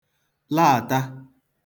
laàta